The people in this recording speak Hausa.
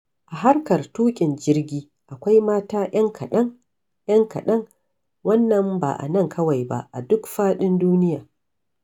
A harkar tuƙin jirgi akwai mata 'yan kaɗan, 'yan kaɗan, wannan ba a nan kawai ba, a duk faɗin duniya.